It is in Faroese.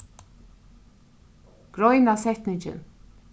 greina setningin